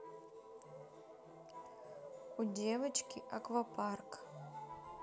у девочки аквапарк